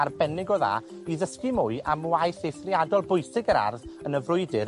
arbennig o dda i ddysgu mwy am waith eithriadol bwysig yr Ardd yn y frwydyr